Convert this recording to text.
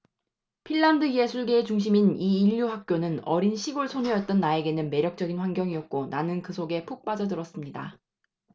핀란드 예술계의 중심인 이 일류 학교는 어린 시골 소녀였던 나에게는 매력적인 환경이었고 나는 그 속에 푹 빠져 들었습니다